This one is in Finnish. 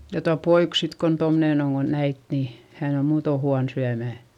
ja tuo poika sitten kun tuommoinen on kun näitte niin hän on muuten huono syömään